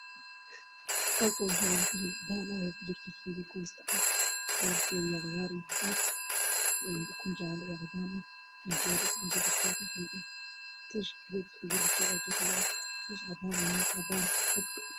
Waa saxan ay ku jirto qoraa khudaar